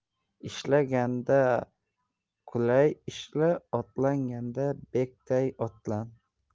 ishlaganda qulday ishla otlanganda bekday otlan